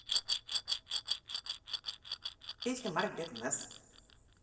песня марк бернес